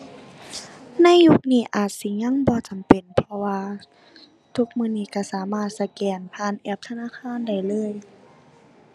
ในยุคนี้อาจสิยังบ่จำเป็น เพราะว่าทุกมื้อนี้ก็สามารถสแกนผ่านแอปธนาคารได้เลย